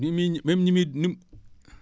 ni muy ñë même ni muy ni mu